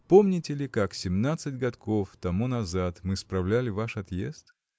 Помните ли, как семнадцать годков тому назад мы справляли ваш отъезд?